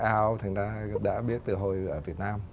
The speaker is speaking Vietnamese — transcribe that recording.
ao thành ra đã biết từ hồi ở việt nam